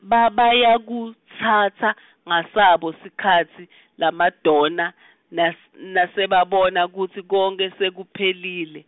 ba bayakutsatsa, ngesabo sikhatsi, leMadonna, nas- nasebabona kutsi konkhe sekuphelile.